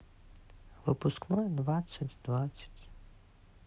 выпускной двадцать двадцать